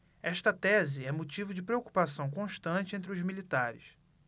esta tese é motivo de preocupação constante entre os militares